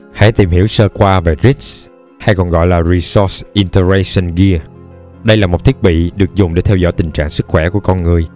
hãy tìm hiểu sơ qua về rigs hay còn được gọi resource integration gear đây là một thiết bị được dùng để theo dõi tình trạng sức khỏe của con người